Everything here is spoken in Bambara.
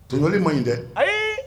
Tɔɲɔnli man ɲi dɛ ayi.